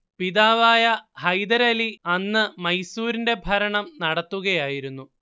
പിതാവായ ഹൈദരലി അന്ന് മൈസൂരിന്റെ ഭരണം നടത്തുകയായിരുന്നു